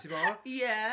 Ti'n gwybod? ...Ie.